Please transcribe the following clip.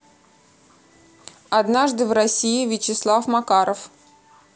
однажды в россии вячеслав макаров